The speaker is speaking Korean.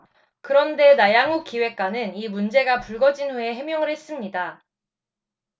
그런데 나향욱 기획관은 이 문제가 불거진 후에 해명을 했습니다